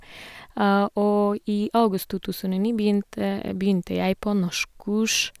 Og i august to tusen og ni begynte begynte jeg på norskkurs.